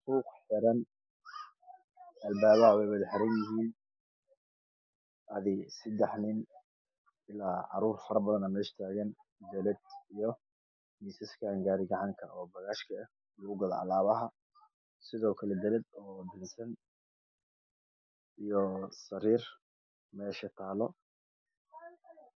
Suuq xiran albaabaha wey wada xiran yihiin adi sadax nin ilaa caruur faro badan mesha taagan jalad iyo miisaskaan gaari gacanka oo bagashka ah lagu gado alaabaha sidoo kale dalad oo dansan iyo sariir mesha taalo